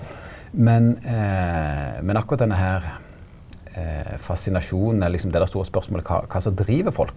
men men akkurat denne her fasinasjonen eller liksom det der store spørsmålet kva kva som driv folk.